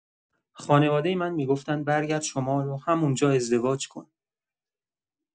خانواده من می‌گفتن برگرد شمال و همون‌جا ازدواج کن.